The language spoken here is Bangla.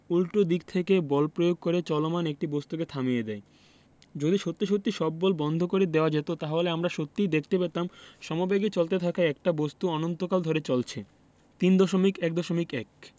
উল্টো দিক থেকে বল প্রয়োগ করে চলমান একটা বস্তুকে থামিয়ে দেয় যদি সত্যি সত্যি সব বল বন্ধ করে দেওয়া যেত তাহলে আমরা সত্যিই দেখতে পেতাম সমবেগে চলতে থাকা একটা বস্তু অনন্তকাল ধরে চলছে 3.1.1